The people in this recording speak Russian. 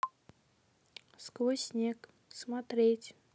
сквозь снег смотреть